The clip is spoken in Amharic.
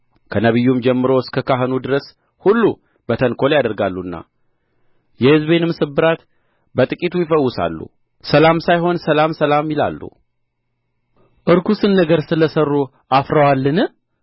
ከነቢዩም ጀምሮ እስከ ካህኑ ድረስ ሁሉ በተንኰል ያደርጋሉና የሕዝቤንም ስብራት በጥቂቱ ይፈውሳሉ ሰላም ሳይሆን ሰላም ሰላም ይላሉ ርኩስን ነገር ስለ ሠሩ አፍረዋልን